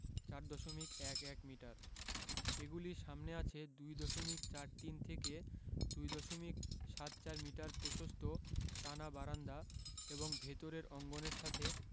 ৪ দশমিক এক এক মিটার এগুলির সামনে আছে ২ দশমিক চার তিন থেকে ২ দশমিক সাত চার মিটার প্রশস্ত টানা বারান্দা এবং ভেতরের অঙ্গনের সাথে